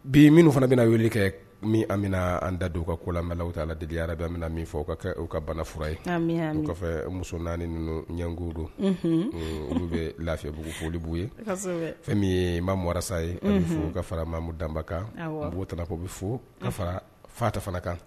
Bi minnu fana bɛna weleli kɛ min an bɛna an da don ka ko la u tɛ' aladdiyara bɛ min min fɔ ka banaf fura ye kɔfɛ mu naani ninnu ɲɛgo olu bɛ lafibugu koolibuguu ye fɛn min ye n walasasa ye fo ka fara mamu danbakan u b'o ta'o bɛ fo ka fara fata fana kan